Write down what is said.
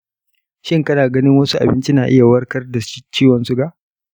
shin kana ganin wasu abinci na iya warkar da ciwon suga?